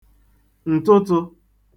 ǹtụtụ̄